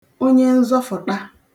onyenzọfụ̀ṭa